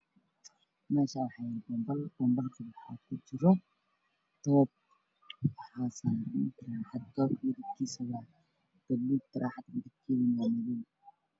Meeshaan waxaa yaala bambal waxaana ku dhex jiro koob kalarkiisu yahay madow